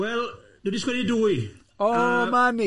Wel, dwi 'di sgwennu dwy a... O 'ma ni!